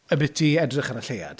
Ambyti edrych ar y Lleuad?